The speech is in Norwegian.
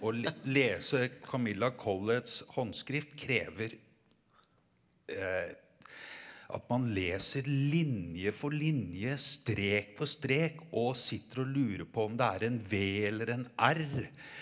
å lese Camilla Colletts håndskrift krever at man leser linje for linje strek for strek og sitter og lurer på om det er en V eller en R.